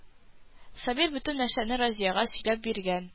Сабир бөтен нәрсәне Разиягә сөйләп биргән